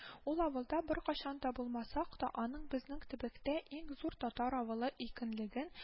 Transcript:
Ул авылда беркайчан да булмасак та, аның безнең төбәктә иң зур татар авылы икенлеген